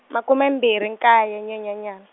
makume mbirhi nkaye Nyenyenyani.